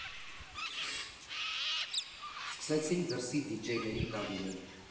Սկսեցինք դրսից դիջեյների հրավիրել.